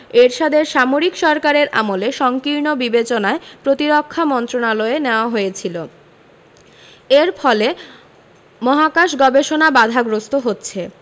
এরশাদের সামরিক সরকারের আমলে সংকীর্ণ বিবেচনায় প্রতিরক্ষা মন্ত্রণালয়ে নেওয়া হয়েছিল এর ফলে মহাকাশ গবেষণা বাধাগ্রস্ত হচ্ছে